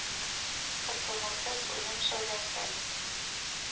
Котылгысыз үлем шәүләсен.